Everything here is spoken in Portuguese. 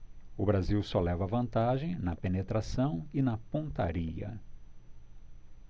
o brasil só leva vantagem na penetração e na pontaria